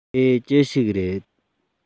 དེ ཅི ཞིག རེད